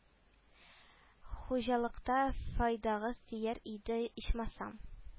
Хуҗалыкта файдагыз тияр иде ичмасам